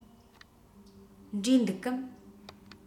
འབྲས འདུག གམ